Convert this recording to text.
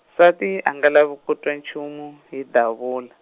nsati a nga lavi ku twa nchumu, hi Davula.